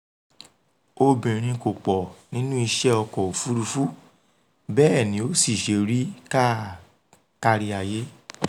Obìnrin kò pọ̀ nínú iṣẹ́ ọkọ̀ òfuurufú, bẹ́ẹ̀ ni ó sì ṣe rí káríayé.